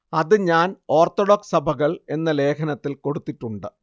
അത് ഞാൻ ഓർത്തഡോക്സ് സഭകൾ എന്ന ലേഖനത്തിൽ കൊടുത്തിട്ടുണ്ട്